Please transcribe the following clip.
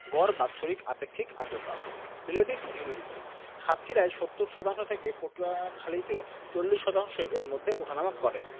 গড় বাৎসরিক আপেক্ষিক আর্দ্রতাঃ রিলেটিভ হিউমেডিটি সাতক্ষীরায় ৭০ শতাংশ থেকে পটুয়াখলীতে ৪০ শতাংশ এর মধ্যে উঠানামা করে